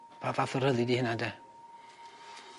Pa fath o ryddid 'di hynna 'de?